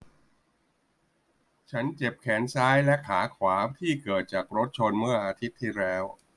ฉันเจ็บแขนซ้ายและขาขวาที่เกิดจากรถชนเมื่ออาทิตย์ที่แล้ว